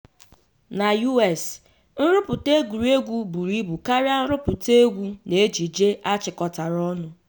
Na US, nrụpụta egwuregwu buru ibu karịa nrụpụta egwu na ejije achịkọtara ọnụ.